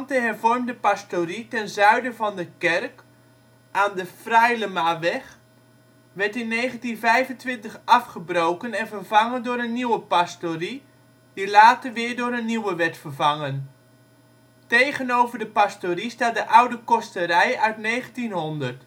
hervormde pastorie ten zuiden van de kerk aan de Fraeilemaweg werd in 1925 afgebroken en vervangen door een nieuwe pastorie, die later weer door een nieuwe werd vervangen. Tegenover de pastorie staat de oude kosterij uit 1900